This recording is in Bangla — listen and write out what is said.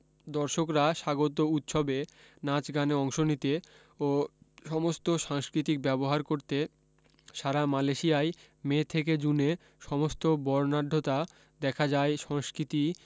দর্শকরা স্বাগত উৎসবে নাচ গানে অংশ নিতে ও সমস্ত সাংস্কৃতিক ব্যবহার করতে সারা মালয়েশিয়ায় মে থেকে জুনে সমস্ত বরণাঢ্যতা দেখা যায় সংস্কৃতি